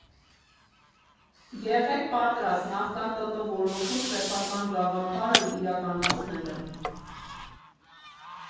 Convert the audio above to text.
Եղե՛ք պատրաստ՝ նախքան ՏՏ ոլորտում սեփական գաղափարն իրականացնելը։